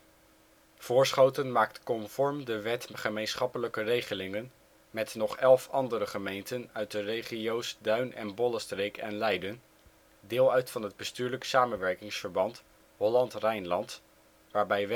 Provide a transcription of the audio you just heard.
Voorschoten maakt conform de Wet gemeenschappelijke regelingen - met nog elf andere gemeenten uit de regio 's Duin - en Bollenstreek en Leiden - deel uit van het bestuurlijk samenwerkingsverband Holland Rijnland, waarbij